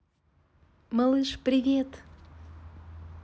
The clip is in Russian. малыш привет